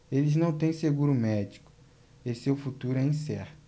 eles não têm seguro médico e seu futuro é incerto